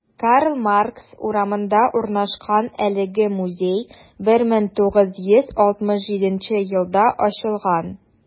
Карл Маркс урамында урнашкан әлеге музей 1967 елда ачылган.